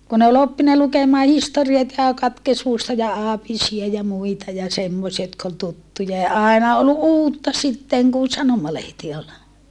kun oli oppinut lukemaan historiat ja katekismusta ja aapisia ja muita ja semmoisia jotka oli tuttuja ja aina oli uutta sitten kun sanomalehti oli